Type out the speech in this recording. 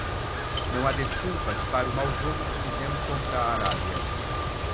não há desculpas para o mau jogo que fizemos contra a arábia